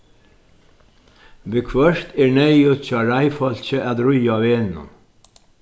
viðhvørt er neyðugt hjá reiðfólki at ríða á vegnum